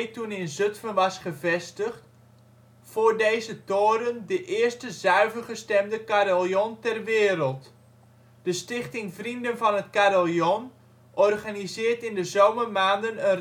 toen in Zutphen was gevestigd, voor deze toren het eerste zuiver gestemde carillon ter wereld. De Stichting " Vrienden van het Carillon " organiseert in de zomermaanden